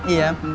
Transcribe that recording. gì em